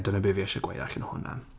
a dyna be fi eisiau gweud allan o hwnna.